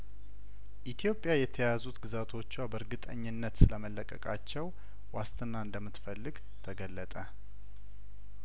ኢትዮጵያየተያዙት ግዛ ቶቿ በእርግጠኝነት ስለመለቀቃቸው ዋስትና እንደምት ፈልግ ተገለጠ